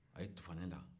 a y'i tufa ne la